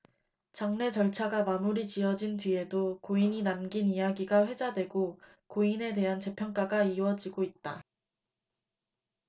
장례 절차가 마무리지어진 뒤에도 고인이 남긴 이야기가 회자되고 고인에 대한 재평가가 이어지고 있다